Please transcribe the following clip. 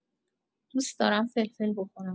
دوست دارم فلفل بخورم.